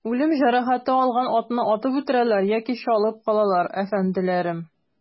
Үлем җәрәхәте алган атны атып үтерәләр яки чалып калалар, әфәнделәрем.